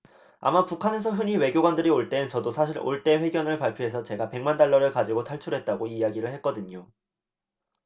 아마 북한에서 흔히 외교관들이 올 때 저도 사실 올 때 회견을 발표해서 제가 백 만 달러를 가지고 탈출했다고 이야기를 했거든요